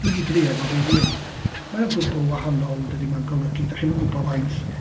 Dwi 'di drio fo fy hun, mae o'n gwbl wahanol yn dydi, ma' o'n golygu dach chi ddim yn gwybod faint...